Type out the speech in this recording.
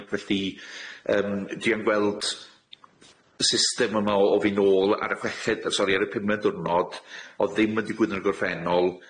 Felly yym, dwi yn gweld y system yma o o fyn' nôl ar y chweched- y sori ar y pumed diwrnod, o'dd ddim yn digwydd yn y gorffennol,